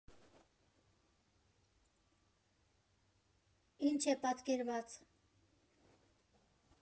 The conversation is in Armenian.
Ինչ է պատկերված։